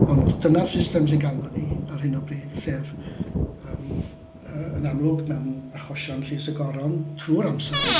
Ond dyna'r system sy ganddo ni ar hyn o bryd sef yym yy yn amlwg, mewn achosion llys y goron trwy'r amser.